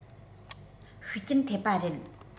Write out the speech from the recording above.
ཤུགས རྐྱེན ཐེབས པ རེད